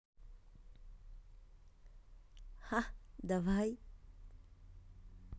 ха давай